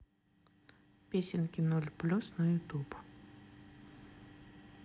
песенки ноль плюс на ютуб